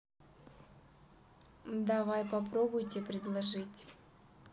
давай попробуйте предложить